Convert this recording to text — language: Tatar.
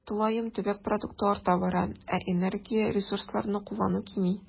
Тулаем төбәк продукты арта бара, ә энергия, ресурсларны куллану кими.